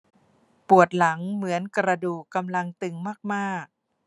ปวดหลังเหมือนกระดูกกำลังตึงมากมาก